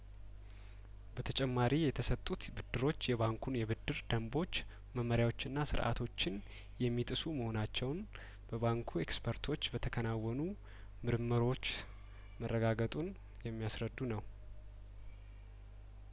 በተጨማሪ የተሰጡት ብድሮች የባንኩን የብድር ደንቦች መመሪያዎችና ስርአቶችን የሚጥሱ መሆናቸውን በባንኩ ኤክስፐርቶች በተከናወኑ ምርመሮች መረጋገጡን የሚያስረዱ ነው